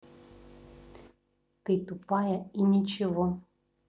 ты тупая и ничего